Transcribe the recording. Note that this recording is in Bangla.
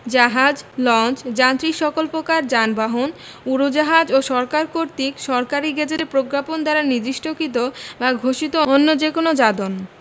জাহাজ লঞ্চ যান্ত্রিক সকল প্রকার জন যানবাহন উড়োজাহাজ এবং সরকার কর্তৃক সরকারী গেজেটে প্রজ্ঞাপন দ্বারা নির্দিষ্টকৃত বা ঘোষিত অন্য যে কোন যাদন